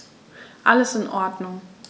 Alles in Ordnung.